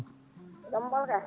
jaam ɓoolo kay